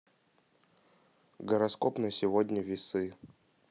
гороскоп на сегодня весы